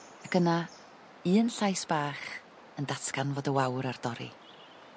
Ac yna un llais bach yn datgan fod y wawr ar dorri.